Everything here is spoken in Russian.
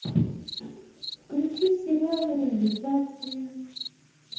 включи сериал реализация